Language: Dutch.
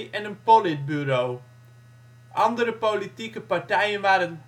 en een politbureau. Andere politieke partijen waren